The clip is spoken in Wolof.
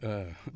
waaw